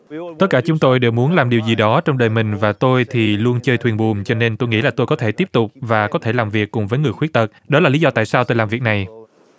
tất cả chúng tôi đều muốn làm điều gì đó trong đời mình và tôi thì luôn chơi thuyền buồm cho nên tôi nghĩ là tôi có thể tiếp tục và có thể làm việc cùng với người khuyết tật đó là lý do tại sao tôi làm việc này